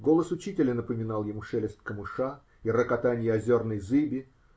Голос учителя напоминал ему шелест камыша и рокотанье озерной зыби